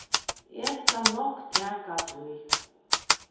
eg skal nokk taka tíð